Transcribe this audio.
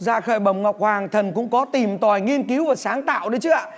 dạ khởi bẩm ngọc hoàng thần cũng có tìm tòi nghiên cứu và sáng tạo đấy chứ ạ